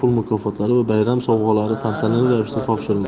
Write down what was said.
pul mukofotlari va bayram sovg'alari tantanali ravishda topshirildi